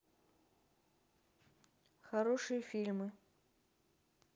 хорошие фильмы